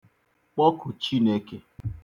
kpọkù Chineke